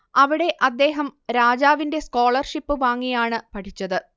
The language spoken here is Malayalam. അവിടെ അദ്ദേഹം രാജാവിന്റെ സ്കോളർഷിപ്പ് വാങ്ങിയാണ് പഠിച്ചത്